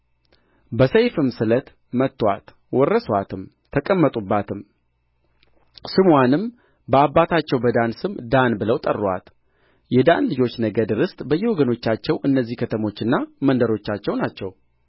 በሰይፍም ስለት መቱአት ወረሱአትም ተቀመጡባትም ስምዋንም በአባታቸው በዳን ስም ዳን ብለው ጠሩአት የዳን ልጆች ነገድ ርስት በየወገኖቻቸው እነዚህ ከተሞችና መንደሮቻቸው ናቸው